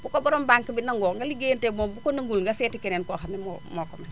bu ko borom banque bi nangoo nga ligéeyanteeg moom bu ko nanguwul nga seeti keneen ko xam ne moo mo mën